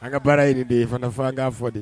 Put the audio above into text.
An ka baara ye de ye fana' fɔ de ye